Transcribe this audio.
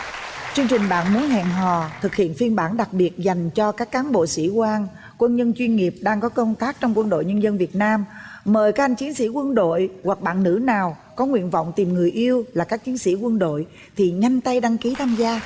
chương trình bạn muốn hẹn hò thực hiện phiên bản đặc biệt dành cho các cán bộ sĩ quan quân nhân chuyên nghiệp đang có công tác trong quân đội nhân dân việt nam mời các chiến sĩ quân đội hoặc bạn nữ nào có nguyện vọng tìm người yêu là các chiến sĩ quân đội thì nhanh tay đăng ký tham gia